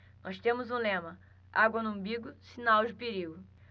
nós temos um lema água no umbigo sinal de perigo